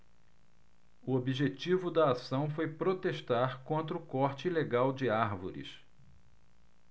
o objetivo da ação foi protestar contra o corte ilegal de árvores